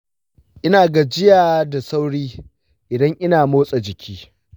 ina gajiya da sauri idan ina motsa jiki.